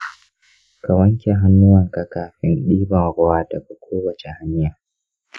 ka wanke hannuwanka kafin ɗiban ruwa daga kowace hanya.